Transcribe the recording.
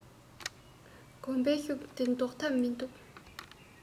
གོམས པའི ཤུགས འདི བཟློག ཐབས མིན འདུག